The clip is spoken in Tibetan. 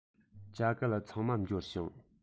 ཇ ག ལི ཚང མ འབྱོར བྱུང